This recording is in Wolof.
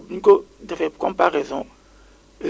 am na solo Pape Khoulé yow nag